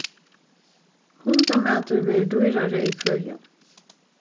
hundamatur verður dýrari í hvørjum